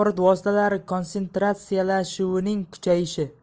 vositalari kontsentratsiyalashuvining kuchayishi